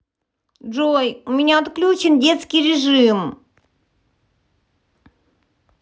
джой у меня отключен детский режим